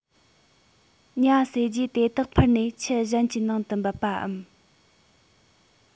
ཉ ཟོས རྗེས དེ དག འཕུར ནས ཆུ གཞན གྱི ནང དུ འབབ པའམ